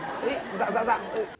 ấy dạ dạ dạ ờ